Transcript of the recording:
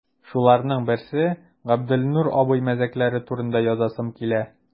Шуларның берсе – Габделнур абый мәзәкләре турында язасым килә.